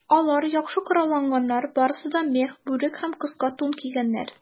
Алар яхшы коралланганнар, барысы да мех бүрек һәм кыска тун кигәннәр.